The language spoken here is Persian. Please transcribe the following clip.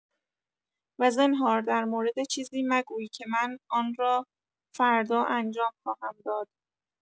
و زنهار در مورد چیزی مگوی که من آن را فردا انجام خواهم داد.